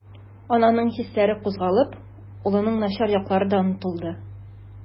Ананың хисләре кузгалып, улының начар яклары да онытылды.